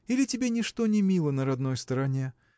Или тебе ничто не мило на родной стороне?